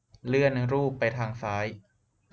เลื่อนรูปไปทางซ้าย